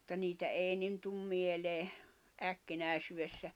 mutta niitä ei niin tule mieleen äkkinäisyydessä